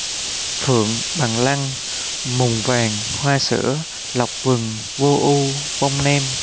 phượng bằng lăng muồng vàng hoa sữa lộc vừng vô ưu vông nem